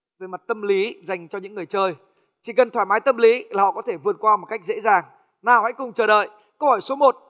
về mặt tâm lý dành cho những người chơi chỉ cần thoải mái tâm lý là họ có thể vượt qua một cách dễ dàng nào hãy cùng chờ đợi câu hỏi số một